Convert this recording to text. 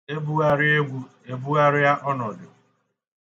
E bugharịa egwu, e bugharịa ọnọdụ.